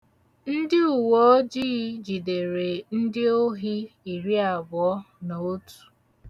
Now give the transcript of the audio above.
Ndị uweojii jidere ndị ohi iriabụọ na otu.